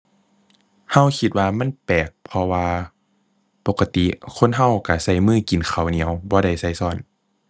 เราคิดว่ามันแปลก เพราะว่าปกติคนเราเราเรามือกินข้าวเหนียว บ่ได้เราเรา